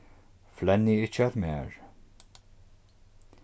flennið ikki at mær